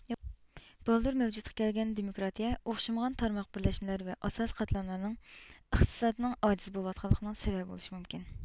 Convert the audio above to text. بالدۇر مەۋجۇدقا كەلگەن دېمۇكىراتىيە ئوخشىمىغان تارماق بىرلەشمىلەر ۋە ئاساسىي قاتلاملارنىڭ ئېقتىسادنىڭ ئاجىز بولىۋاتقانلىقىنىڭ سەۋەبى بولىشى مۇمكىن